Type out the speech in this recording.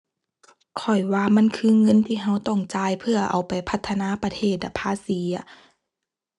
ข้อยว่ามันคือเงินที่เราต้องจ่ายเพื่อเอาไปพัฒนาประเทศอะ ภาษีอะ